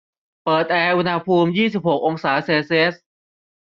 เปิดแอร์อุณหภูมิยี่สิบหกองศาเซลเซียส